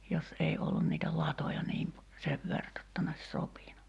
jos ei ollut niitä latoja niin - sen verta jotta ne olisi sopinut